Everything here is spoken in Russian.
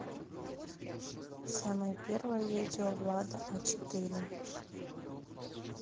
самое первое видео влада а четыре